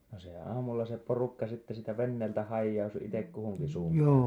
no se aamulla se porukka sitten siitä veneeltä hajautui itsekuhunkin suuntaan